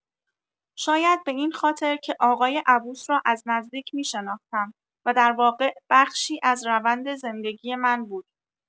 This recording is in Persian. شاید به این خاطر که آقای عبوس را از نزدیک می‌شناختم و در واقع بخشی از روند زندگی من بود.